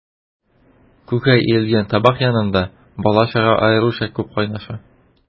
Күкәй өелгән табак янында бала-чага аеруча күп кайнаша.